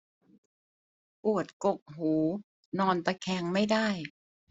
ปวดกกหูนอนตะแคงไม่ได้